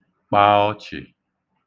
kpā ọ̄chị̀